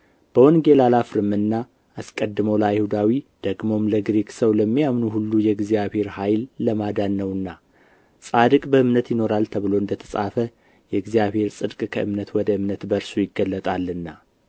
በወንጌል አላፍርምና አስቀድሞ ለአይሁዳዊ ደግሞም ለግሪክ ሰው ለሚያምኑ ሁሉ የእግዚአብሔር ኃይል ለማዳን ነውና ጻድቅ በእምነት ይኖራል ተብሎ እንደ ተጻፈ የእግዚአብሔር ጽድቅ ከእምነት ወደ እምነት በእርሱ ይገለጣልና